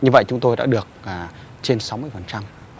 như vậy chúng tôi đã được à trên sáu mươi phần trăm